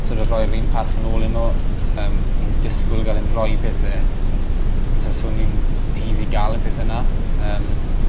so't o' rhoi'r un parch yn ôl i n'w yym ni'n disgwyl gael ein roi pethe on' sa so ni'n heiddi ga'l y pethe 'na. yym.opidd yna em